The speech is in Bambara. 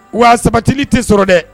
Wa a sabatili te sɔrɔ dɛ.